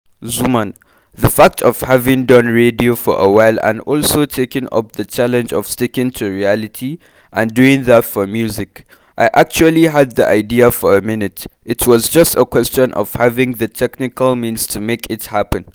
Xuman : The fact of having done radio for a while and also taking up the challenge of sticking to reality, and doing that in music… I actually had the idea for a minute, it was just a question of having the technical means to make it happen.